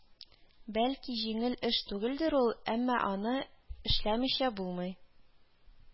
Бәлки җиңел эш түгелдер ул, әмма аны эшләмичә булмый